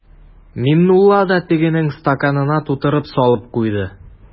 Миңнулла да тегенең стаканына тутырып салып куйды.